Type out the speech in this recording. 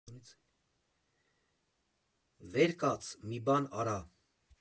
Վեր կաց, մի բան արա։